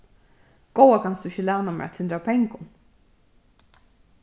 góða kanst tú ikki læna mær eitt sindur av pengum